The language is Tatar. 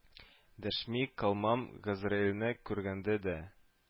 Дәшми калмам Газраилне күргәндә дә